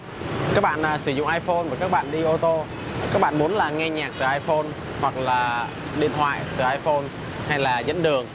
các bạn à sử dụng ai phôn của các bạn đi ô tô các bạn muốn là nghe nhạc từ ai phôn hoặc là điện thoại từ ai phôn hay là dẫn đường